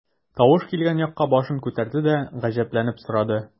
Тавыш килгән якка башын күтәрде дә, гаҗәпләнеп сорады.